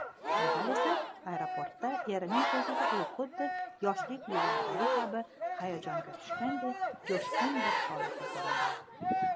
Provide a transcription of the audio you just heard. bu gal esa aeroportda erining ko'ziga u xuddi yoshlik yillaridagi kabi hayajonga tushganday jo'shqin bir holatda ko'rindi